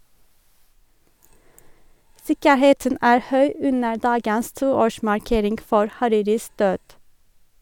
Sikkerheten er høy under dagens toårsmarkering for Hariris død.